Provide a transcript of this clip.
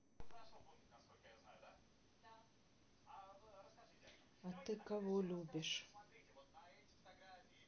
а ты кого любишь